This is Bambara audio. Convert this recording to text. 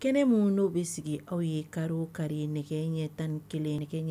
Kɛnɛ minnu dɔw bɛ sigi aw ye ka kari nɛgɛ ɲɛ tan kelen- nɛgɛ ɲɛ